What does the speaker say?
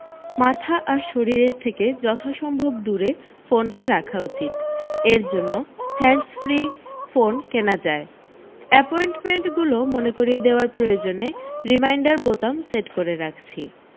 মাথা আর শরীরের থেকে যথাসম্ভব দূরে ফোনটা রাখা উচিত এর জন্যে হ্যান্ডসফরি ফোন কেনা যায় এপয়েণ্টমেণ্টগুলো মনে করিয়ে দেওয়ার প্রয়োজনে রিমাইন্ডার বোতাম সেট করে রাখছি